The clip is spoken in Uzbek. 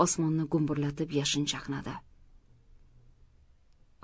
osmonni gumburlatib yashin chaqnadi